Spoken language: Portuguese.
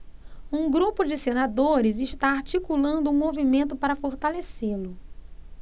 um grupo de senadores está articulando um movimento para fortalecê-lo